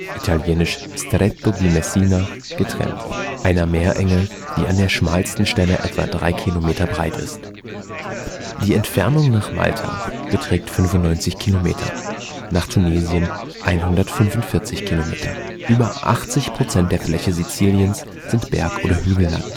italienisch Stretto di Messina) getrennt, einer Meerenge, die an der schmalsten Stelle etwa 3 km breit ist. Die Entfernung nach Malta beträgt 95 km, nach Tunesien 145 km. Über 80 % der Fläche Siziliens sind Berg - oder Hügelland